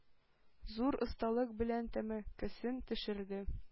Зур осталык белән тәмәкесен төшерде.